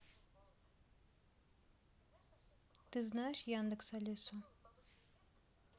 ты знаешь яндекс алису